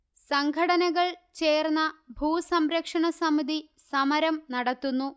സംഘടനകൾ ചേർന്ന ഭൂസംരക്ഷണസമിതി സമരം നടത്തുന്നു